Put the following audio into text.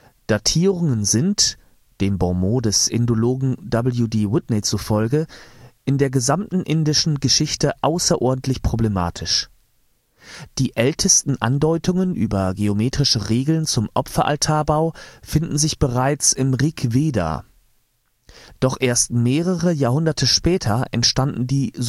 Datierungen sind, dem Bonmot des Indologen W. D. Whitney zufolge, in der gesamten indischen Geschichte außerordentlich problematisch. Die ältesten Andeutungen über geometrische Regeln zum Opferaltarbau finden sich bereits im Rig Veda. Doch erst mehrere Jahrhunderte später entstanden (d. h. wurden kanonisiert) die Sulbasutras